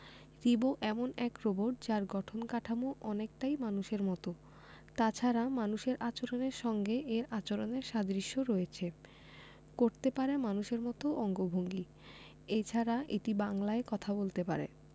রিবো এমন এক রোবট যার গঠন কাঠামো অনেকটাই মানুষের মতো তাছাড়া মানুষের আচরণের সঙ্গে এর আচরণের সাদৃশ্য রয়েছে করতে পারে মানুষের মতো অঙ্গভঙ্গি এছাড়া এটি বাংলায় কথা বলতে পারে